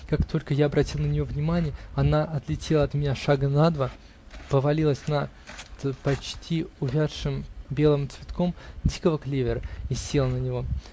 Как только я обратил на нее внимание, она отлетела от меня шага на два, повилась над почти увядшим белым цветком дикого клевера и села на него.